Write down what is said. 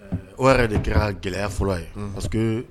O yɛrɛ de kɛra gɛlɛya fɔlɔ ye